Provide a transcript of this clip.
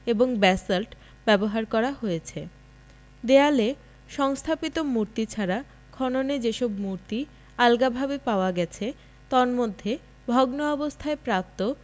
এবং ব্যাসাল্ট ব্যবহার করা হয়েছে দেয়ালে সংস্থাপিত মূর্তি ছাড়া খননে যেসব মূর্তি আগলাভাবে পাওয়া গেছে তম্মধ্যে ভগ্ন অবস্থায় প্রাপ্ত